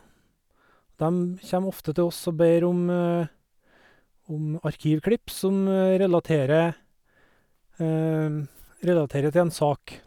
Dem kjem ofte til oss og ber om om arkivklipp som relatere relaterer til en sak.